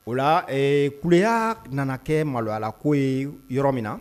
O la kuleya nana kɛ maloyala ko ye yɔrɔ min na